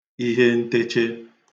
ihe nteche